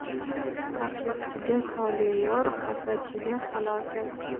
taqlidchiga tole yor hasadchiga halokat